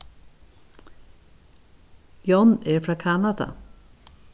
john er frá kanada